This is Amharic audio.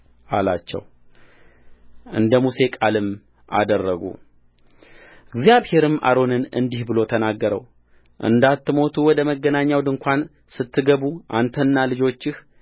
አላቸው እንደ ሙሴ ቃልም አደረጉእግዚአብሔርም አሮንን እንዲህ ብሎ ተናገረውእንዳትሞቱ ወደ መገናኛው ድንኳን ስትገቡ አንተና ልጆችህ